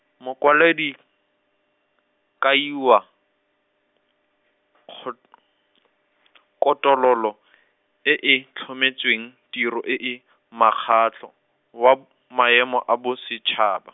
mokwaledi, kaiwa, kgot-, koto lolo , e e tlhometsweng tiro e e, makgatlo, wa maemo a bosetshaba.